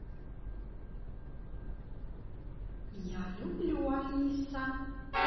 я люблю алиса